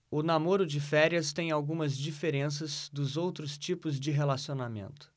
o namoro de férias tem algumas diferenças dos outros tipos de relacionamento